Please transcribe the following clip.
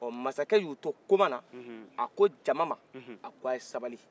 hon masakɛ y'o to kuma na a ko jama a k'a ye sabali